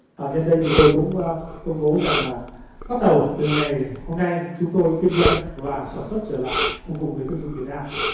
à nhân đây thì tôi cũng công bố rằng là bắt đầu từ ngày hôm nay chúng tôi kinh doanh và sản xuất trở lại phục vụ người tiêu dùng việt nam